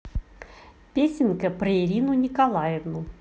песенка про ирину николаевну